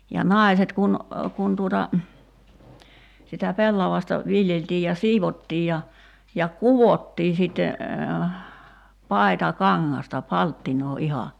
ja naiset kun kun tuota sitä pellavasta viljeltiin ja siivottiin ja ja kudottiin sitten paitakangasta palttinaa ihan